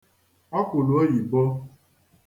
ọkwụ̀lụ̀ oyìbo